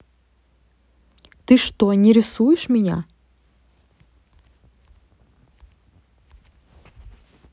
ну что не рисуешь меня